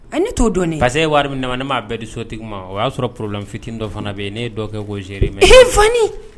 A t'o dɔni pa ye wari min na ma ne maa bɛɛ di sotigima ma o y'a sɔrɔ porol fit dɔ fana bɛ yen ne ye dɔgɔ kɛ koere ma e fa